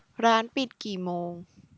ร้านปิดกี่โมง